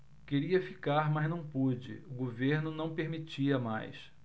queria ficar mas não pude o governo não permitia mais